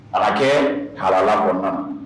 Ara kɛ halala kɔnɔnaɔnɔn